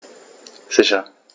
Sicher.